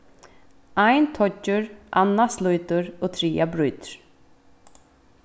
ein toyggir annað slítur og triðja brýtur